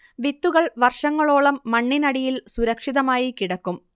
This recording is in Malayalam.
വിത്തുകൾ വർഷങ്ങളോളം മണ്ണിനടിയിൽ സുരക്ഷിതമായി കിടക്കും